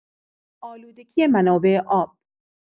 آلودگی منابع آب